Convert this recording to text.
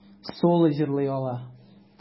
Соло җырлый ала.